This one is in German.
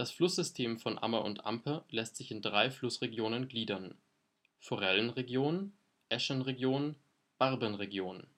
Flusssystem von Ammer und Amper lässt sich in drei Flussregionen gliedern: Forellenregion Äschenregion Barbenregion